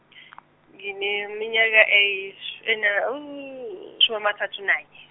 ngineminyaka eyish- ena- engamashumi amathathu nanye.